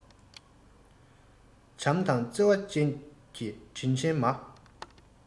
བྱམས དང བརྩེ བ ཅན གྱི དྲིན ཆེན མ